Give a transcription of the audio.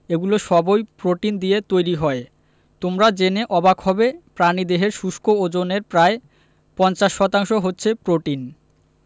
এগুলো সবই প্রোটিন দিয়ে তৈরি হয় তোমরা জেনে অবাক হবে প্রাণীদেহের শুষ্ক ওজনের প্রায় ৫০% হচ্ছে প্রোটিন